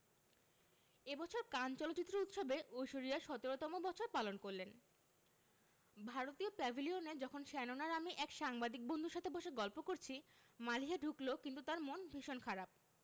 এ বছর কান চলচ্চিত্র উৎসবে ঐশ্বরিয়া ১৭তম বছর পালন করলেন ভারতীয় প্যাভিলিয়নে যখন শ্যানন আর আমি এক সাংবাদিক বন্ধুর সাথে বসে গল্প করছি মালিহা ঢুকলো কিন্তু তার মন ভীষণ খারাপ